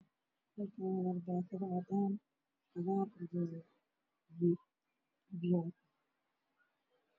Halkan waxa ay hello kalro kara cadaado biyo ol